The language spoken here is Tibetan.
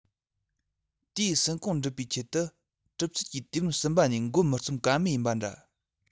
དེའི སྲིན གོང འགྲུབ པའི ཆེད དུ གྲུབ ཚུལ གྱི དུས རིམ གསུམ པ ནས འགོ མི རྩོམ ག མེད ཡིན པ འདྲ